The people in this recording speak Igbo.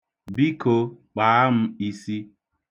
Biko, kpaa m isi!